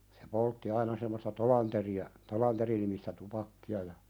se poltti aina semmoista Tolanderia Tolander-nimistä tupakkaa ja